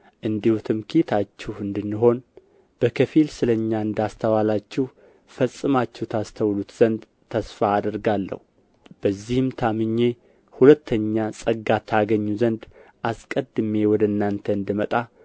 እንዲሁ ትምክህታችሁ እንድንሆን በከፊል ስለ እኛ እንዳስተዋላችሁ ፈጽማችሁ ታስተውሉት ዘንድ ተስፋ አደርጋለሁ በዚህም ታምኜ ሁለተኛ ጸጋ ታገኙ ዘንድ አስቀድሜ ወደ እናንተ እንድመጣ